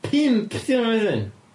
Pump ddiwrno wedyn?